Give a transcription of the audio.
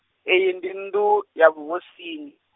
iyi ndi nnḓu, ya vhuhosini.